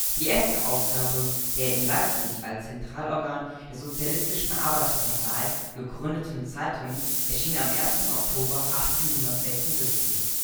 erste Ausgabe der in Leipzig als Zentralorgan der Sozialistischen Arbeiterpartei Deutschlands gegründeten Zeitung erschien am 1. Oktober 1876